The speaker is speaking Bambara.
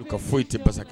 U ka foyi i tɛsa